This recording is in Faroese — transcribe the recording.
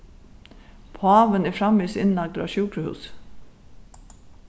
pávin er framvegis innlagdur á sjúkrahúsi